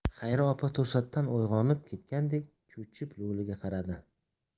xayri opa to'satdan uyg'onib ketgandek cho'chib lo'liga qaradi